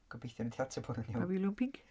Gobeithio wnei di ateb hwn yn iawn!... Pafiliwn Pinc. ...